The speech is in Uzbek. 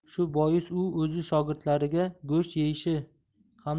shu bois u o'z shogirdlariga go'sht